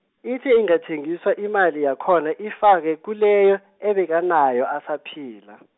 ithi ingathengisa imali yakhona ifakwe kileyo, abekanayo asaphila.